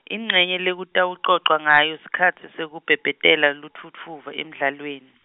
incenye lekutawucocwa ngayo, sikhatsi sekubhebhetela lutfutfuva emdlalweni.